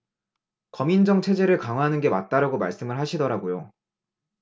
검인정 체제를 강화하는 게 맞다라고 말씀을 하시더라고요